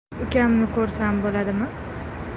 ukamni ko'rsam bo'ladimi